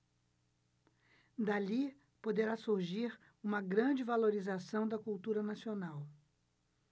dali poderá surgir uma grande valorização da cultura nacional